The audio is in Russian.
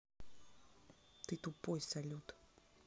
ты тупой салют